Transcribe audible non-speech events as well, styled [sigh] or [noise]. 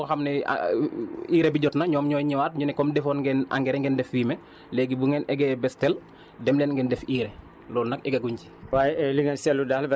après fumier bi bu ñëwee ba xam ne [hesitation] urée bi jot na ñoom ñooy ñëwaat ñu ne comme defoon ngeen engrais ngeen def fumier léegi bu ngeen eggee bés tel dem leen ngeen def urée loolu nag eggaguñ ci